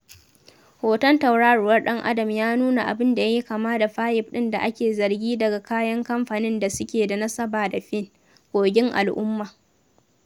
Hoton tauraruwar ɗan-adam ya nuna abun da ya yi kama da fayif ɗin da ake zargi daga kayan kamfanin da suke da nasaba da Feeane, kogin al'umma